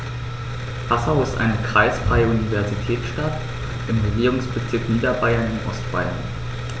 Passau ist eine kreisfreie Universitätsstadt im Regierungsbezirk Niederbayern in Ostbayern.